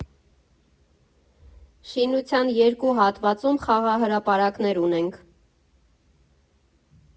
Շինության երկու հատվածում խաղահրապարակներ ունենք։